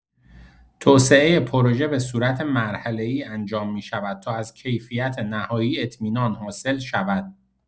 توسعه پروژه به‌صورت مرحله‌ای انجام می‌شود تا از کیفیت نهایی اطمینان حاصل شود.